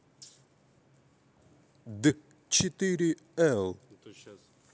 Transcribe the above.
д четыре л